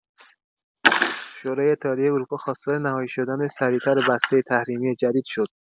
شورای اتحادیه اروپا خواستار نهایی شدن سریع‌تر بسته تحریمی جدید شد.